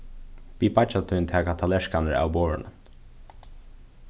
bið beiggja tín taka tallerkarnar av borðinum